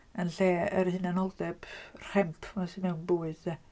Yn lle yr hynanoldeb rhemp yma sy mewn bywyd de?